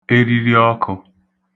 eririọkụ̄